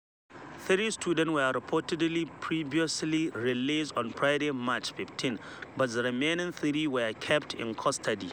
Three students were reportedly provisionally released on Friday, March 15, but, the remaining three were kept in custody.